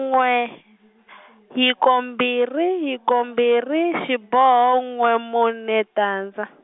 n'we , hiko mbirhi hiko mbirhi xiboho n'we mune tandza.